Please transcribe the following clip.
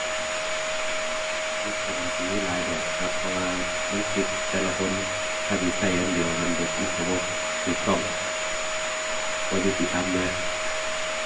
มันก็น่าสิมีหลายแบบครับ เพราะว่ามันคิดแต่ละคน ถ้าสิก็อันเดียวกันเบิด มันก็บ่ ก็ต้อง บ่ยุติธรรมนะ